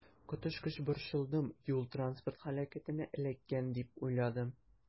Коточкыч борчылдым, юл-транспорт һәлакәтенә эләккән дип уйладым.